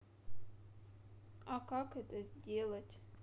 а как это сделать